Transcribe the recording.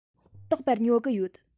རྟག པར ཉོ གི ཡོད